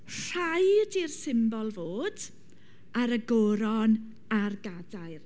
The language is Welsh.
Rhaid i'r symbol fod ar y goron a'r gadair.